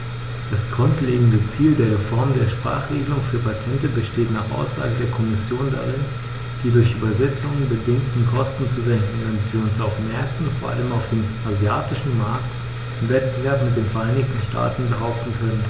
Das grundlegende Ziel der Reform der Sprachenregelung für Patente besteht nach Aussage der Kommission darin, die durch Übersetzungen bedingten Kosten zu senken, damit wir uns auf den Märkten, vor allem auf dem asiatischen Markt, im Wettbewerb mit den Vereinigten Staaten behaupten können.